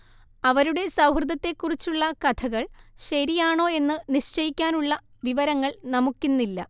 അവരുടെ സൗഹൃദത്തെക്കുറിച്ചുള്ള കഥകൾ ശരിയാണോ എന്ന് നിശ്ചയിക്കാനുള്ള വിവരങ്ങൾ നമുക്കിന്നില്ല